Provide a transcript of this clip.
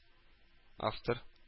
Автор